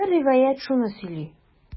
Бер риваять шуны сөйли.